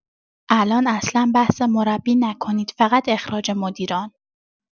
الان اصلا بحث مربی نکنید فقط اخراج مدیران